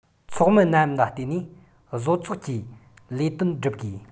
ཚོགས མི རྣམས ལ བརྟེན ནས བཟོ ཚོགས ཀྱི ལས དོན བསྒྲུབ དགོས